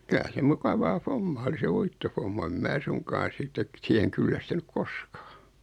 kyllä se mukavaa hommaa oli se uittohomma en minä suinkaan sitten siihen kyllästynyt koskaan